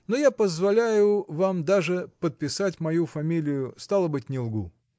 но я позволяю вам даже подписать мою фамилию стало быть не лгу.